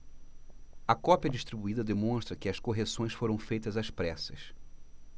a cópia distribuída demonstra que as correções foram feitas às pressas